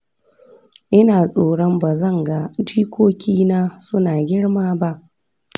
ina tsoron ba zan ga jikokina suna girma ba.